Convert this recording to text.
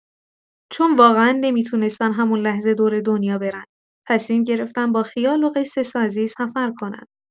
چون واقعا نمی‌تونستن همون لحظه دور دنیا برن، تصمیم گرفتن با خیال و قصه‌سازی سفر کنن.